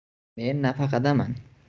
men nafaqadaman